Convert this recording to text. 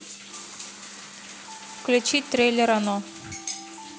включить трейлер оно